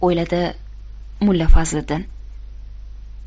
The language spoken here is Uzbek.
o'yladi mulla fazliddin